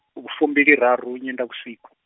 uku fumbiliraru, nyendavhusiku.